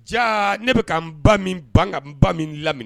Ja ne bɛ ka n ba min ban n ba min laminɛ